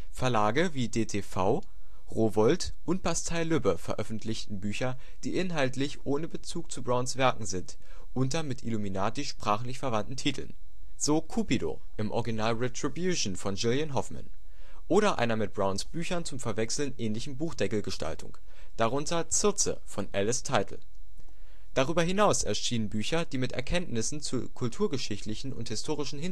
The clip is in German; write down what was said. Verlage wie dtv, Rowohlt und Bastei-Lübbe veröffentlichten Bücher, die inhaltlich ohne Bezug zu Browns Werken sind, unter mit Illuminati sprachlich verwandten Titeln – so Cupido, im Original Retribution, von Jilliane Hoffman – oder einer mit Browns Büchern zum Verwechseln ähnlichen Buchdeckel-Gestaltung – darunter Circe von Elise Title. Darüber hinaus erschienen Bücher, die mit Erkenntnissen zu kulturgeschichtlichen und historischen